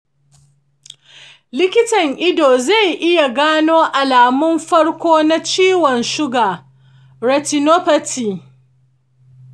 likitan ido zai iya gano alamun farko na ciwon suga retinopathy.